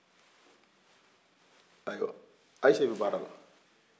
ayiwa ayise bi baara la